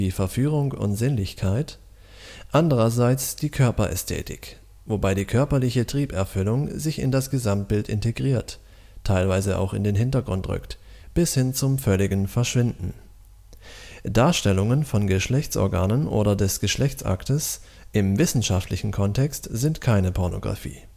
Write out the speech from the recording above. Verführung, Sinnlichkeit), andererseits Körperästhetik, wobei die körperliche Trieberfüllung sich in das Gesamtbild integriert, teilweise auch in den Hintergrund rückt, bis hin zum völligen Verschwinden. Darstellungen von Geschlechtsorganen oder des Geschlechtsakts im wissenschaftlichen Kontext sind keine Pornografie